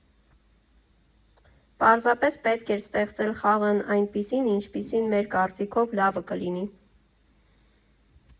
Պարզապես պետք էր ստեղծել խաղն այնպիսին, ինչպիսին մեր կարծիքով լավը կլինի։